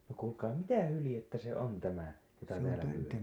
no kuulkaa mitä hyljettä se on tämä jota täällä on